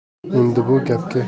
endi bu gapga